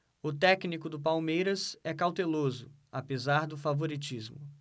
o técnico do palmeiras é cauteloso apesar do favoritismo